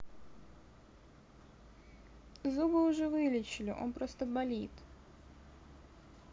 зубы уже вылечили он просто болит